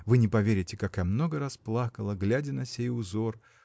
вы не поверите, как я много раз плакала, глядя на сей узор